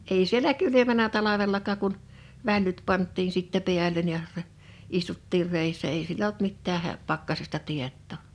ei siellä kylmännnyt talvellakaan kun vällyt pantiin sitten päälle ja - istuttiin reessä ei siellä ollut mitään - pakkasesta tietoa